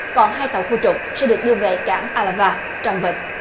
còn hai tàu khu trục sẽ được đưa về cảng a la va trong vịnh